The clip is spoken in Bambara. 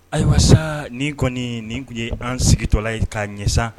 Ayiwa nin kɔni nin tun ye an sigi tɔ la ye k kaa ɲɛsan